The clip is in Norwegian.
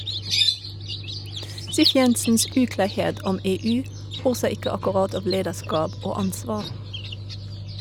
Siv Jensens uklarhet om EU oser ikke akkurat av lederskap og ansvar.